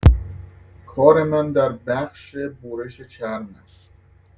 کار من در بخش برش چرم است.